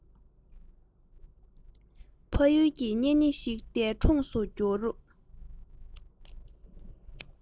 ཕ ཡུལ གྱི གཉེན ཉེ ཞིག འདས གྲོངས སུ གྱུར